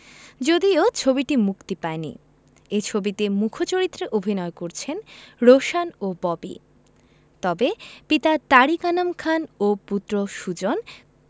যদিও ছবিটি মুক্তি পায়নি এই ছবিতে মূখ চরিত্রে অভিনয় করছেন রোশান ও ববি তবে পিতা তারিক আনাম খান ও পুত্র সুজন